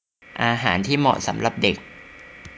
อาหารที่เหมาะสำหรับเด็ก